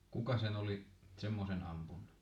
kuka sen oli semmoisen ampunut